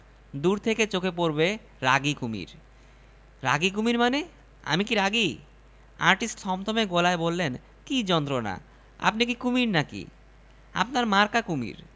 অবশ্যই জানতে পারেন কাগজ কম পড়ে গেল পোস্টার বোর্ড আরো বড় হলে চমৎকার লেজ দিয়ে দিতাম